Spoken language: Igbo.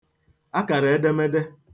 akàrà edemede